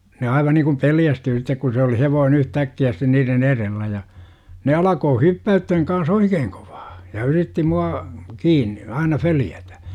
ne aivan niin kuin pelästyi sitten kun se oli hevonen yhtäkkiä sitten niiden edellä ja ne alkaa hyppäyttämään kanssa oikein kovaa ja yritti minua kiinni aina följätä